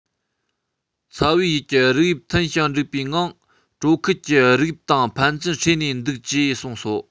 ཚ བའི ཡུལ གྱི རིགས དབྱིབས མཐུན ཞིང འགྲིག པའི ངང དྲོ ཁུལ གྱི རིགས དབྱིབས དང ཕན ཚུན བསྲེས ནས འདུག ཅེས གསུངས སོ